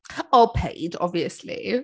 O, Paige obviously.